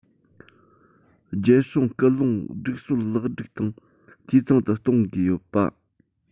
རྒྱལ སྲུང སྐུལ སློང སྒྲིག སྲོལ ལེགས སྒྲིག དང འཐུས ཚང དུ གཏོང དགོས པ